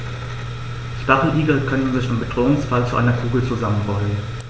Stacheligel können sich im Bedrohungsfall zu einer Kugel zusammenrollen.